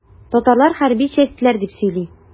Татарлар хәрби чәстләр дип сөйли.